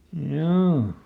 joo